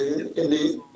lý